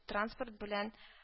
Транспорт белән